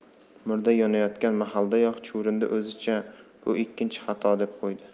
murda yonayotgan mahaldayoq chuvrindi o'zicha bu ikkinchi xato deb qo'ydi